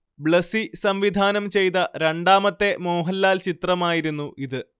ബ്ലെസ്സി സംവിധാനം ചെയ്ത രണ്ടാമത്തെ മോഹൻലാൽ ചിത്രമായിരുന്നു ഇത്